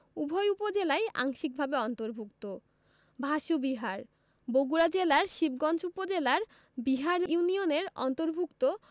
উভয় উপজেলায় আংশিকভাবে অন্তর্ভুক্ত ভাসু বিহার বগুড়া জেলার শিবগঞ্জ উপজেলার বিহার ইউনিয়নের অন্তর্ভুক্ত